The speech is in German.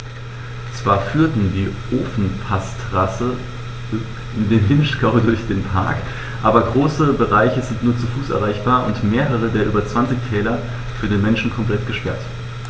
Zwar führt die Ofenpassstraße in den Vinschgau durch den Park, aber große Bereiche sind nur zu Fuß erreichbar und mehrere der über 20 Täler für den Menschen komplett gesperrt.